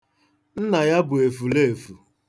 Nna ya bụ efuleefu.